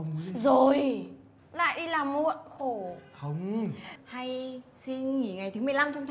rồi lại đi làm muộn khổ hay xin nghỉ ngày thứ trong tháng